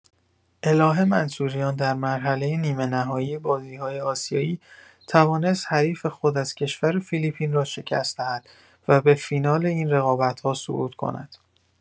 الهه منصوریان در مرحله نیمه‌نهایی بازی‌های آسیایی توانست حریف خود از کشور فیلیپین را شکست دهد و به فینال این رقابت‌ها صعود کند.